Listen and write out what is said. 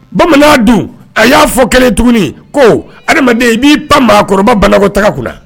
Bamanan dun a y'a fɔ kɛlen tuguni ko adamaden i b'i pan maakɔrɔbaba banako taga kun la